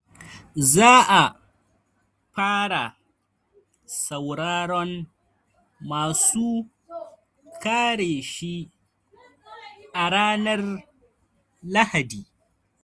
Za a fara sauraron masu kare shi a ranar Lahadi.